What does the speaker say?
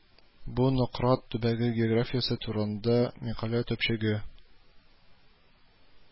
Бу Нократ төбәге географиясе турында мәкалә төпчеге